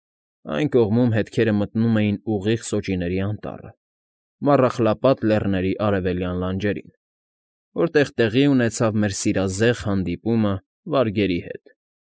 Այն կողմում հետքերը մտնում էին ուղիղ սոճիների անտառը՝ Մառախլապատ Լեռների արևելյան լանջերին, որտեղ տեղի ունեցավ մեր սիրազեղ հանդիպումը վարգերի հետ։